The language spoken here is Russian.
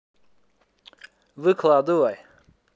выкладывай